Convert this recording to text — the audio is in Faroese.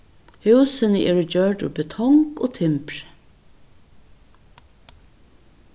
húsini eru gjørd úr betong og timbri